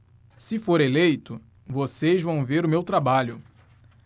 se for eleito vocês vão ver o meu trabalho